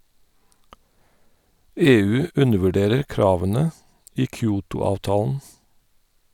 - EU undervurderer kravene i Kyoto-avtalen.